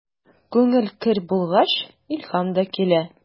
Күңел көр булгач, илһам да килә.